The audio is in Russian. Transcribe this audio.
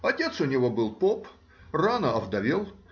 Отец у него был поп, рано овдовел